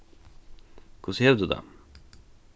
hvussu hevur tú tað